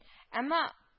Әмма